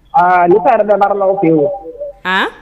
Ne taara dɔndakaw fɛ yen wo a